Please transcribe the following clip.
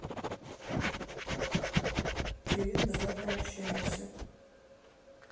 привет давай пообщаемся